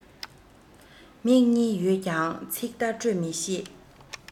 མིག གཉིས ཡོད ཀྱང ཚིག བརྡ སྤྲོད མི ཤེས